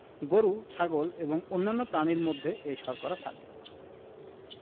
গরু ছাগল এবং অন্যান্য প্রাণীর দুধে এই শর্করা থাকে